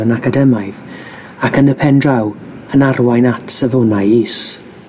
yn academaidd, ac yn y pen draw yn arwain at safonau is.